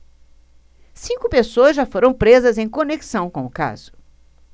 cinco pessoas já foram presas em conexão com o caso